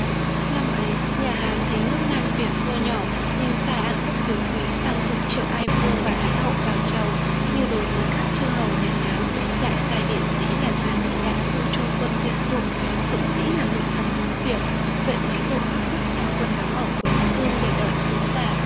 năm ấy nhà hán thấy nước nam việt vua nhỏ nên sai an quốc thiếu quý sang dụ triệu ai vương và thái hậu vào chầu như đối với các chư hầu nhà hán lại sai biện sĩ là gián nghị đại phu chung quân tuyên dụ dũng sĩ là ngụy thần giúp việc vệ úy lộ bác đức đem quân đóng ở quế dương để đợi sứ giả